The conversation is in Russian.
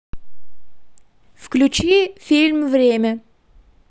включи фильм время